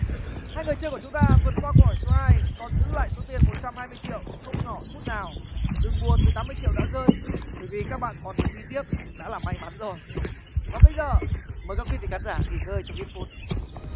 hai người chơi của chúng ta vượt qua câu hỏi số hai còn giữ lại số tiền một trăm hai mươi triệu không nhỏ chút nào đừng buồn với tám mươi triệu đã rơi bởi vì các bạn còn được đi tiếp đã là may mắn rồi và bây giờ mời các quý vị khán giả nghỉ ngơi trong ít phút